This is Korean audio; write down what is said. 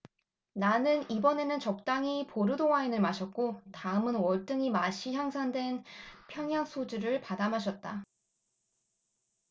나는 이번에는 적당히 보르도 와인을 마셨고 다음은 월등히 맛이 향상된 평양 소주를 받아 마셨다